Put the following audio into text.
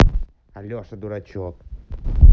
алеша дурачок